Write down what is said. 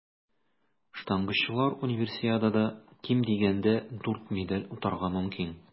Штангачылар Универсиадада ким дигәндә дүрт медаль отарга мөмкин.